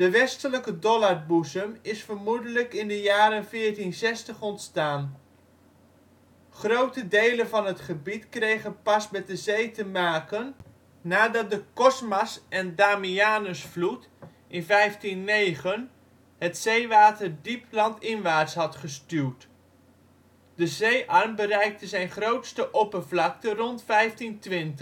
westelijke Dollardboezem is vermoedelijk in de jaren na 1460 ontstaan. Grote delen van het gebied kregen pas met de zee te maken nadat de Cosmas - en Damianusvloed (1509) het zeewater diep landinwaarts had gestuwd. De zeearm bereikte zijn grootste oppervlakte rond 1520